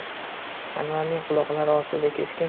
anvarning quloqlari ostida keskin